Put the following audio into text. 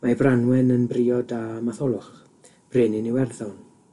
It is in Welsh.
Mae Branwen yn briod a Matholwch, brenin Iwerddon,